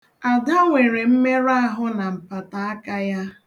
Ada nwere mmerụahụ na mpataaka ya.